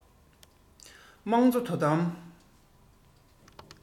དམངས གཙོ དོ དམ